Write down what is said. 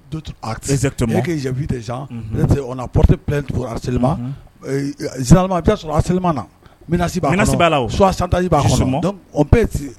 De pte sɔrɔ a na latate